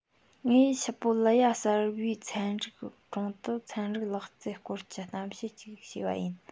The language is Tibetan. ངས ཞི པོ ལི ཡ གསར པའི ཚན རིག གྲོང དུ ཚན རིག ལག རྩལ སྐོར གྱི གཏམ བཤད ཅིག བྱས པ ཡིན